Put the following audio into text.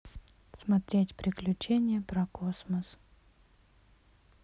смотреть приключения про космос